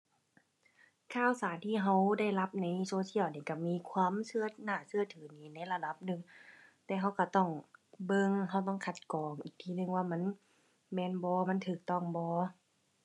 ข่าวสารที่เราได้รับในโซเชียลเนี่ยเรามีความเรา น่าเราถือหนิในระดับหนึ่ง แต่เราเราต้องเบิ่ง เราต้องคัดกรองอีกทีหนึ่งว่ามัน แม่นบ่ มันเราต้องบ่